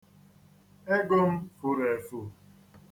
Ego m furu efu.